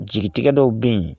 Jigitigɛ dɔw be yen